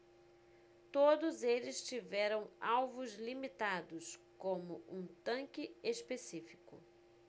todos eles tiveram alvos limitados como um tanque específico